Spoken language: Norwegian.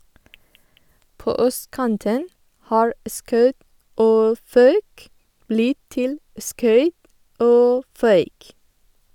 På østkanten har "skaut" og "fauk" blitt til "skøyt" og "føyk".